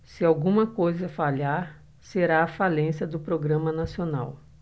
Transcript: se alguma coisa falhar será a falência do programa nacional